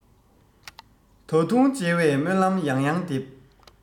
ད དུང མཇལ བའི སྨོན ལམ ཡང ཡང འདེབས